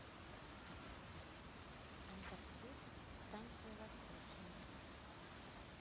антарктида станция восточная